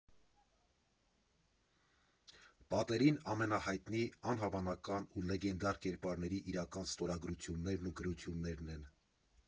Պատերին ամենահայտնի, անհավանական ու լեգենդար կերպարների իրական ստորագրություններն ու գրություններն են։